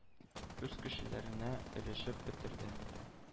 Үз кешеләренә өләшеп бетерде.